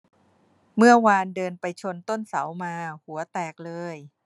เมื่อวานเดินไปชนต้นเสามาหัวแตกเลย